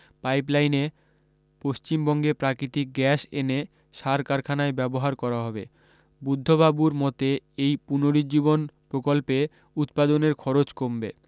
পাইপলাইনে পশ্চিমবঙ্গে প্রাকৃতিক গ্যাস এনে সার কারখানায় ব্যবহার করা হবে বুদ্ধবাবুর মতে এই পুনরুজ্জীবন প্রকল্পে উৎপাদনের খরচ কমবে